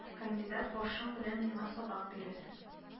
Кандидат башың белән миңа сабак бирәсең